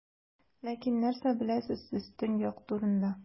Ләкин нәрсә беләсез сез Төньяк турында?